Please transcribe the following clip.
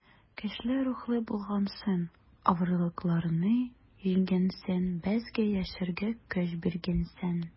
Көчле рухлы булгансың, авырлыкларны җиңгәнсең, безгә яшәргә көч биргәнсең.